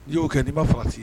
N'i y'o kɛ n'i ma farati